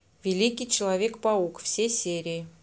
великий человек паук все серии